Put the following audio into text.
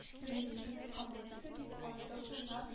Биләлетдинов командасы дип атап булган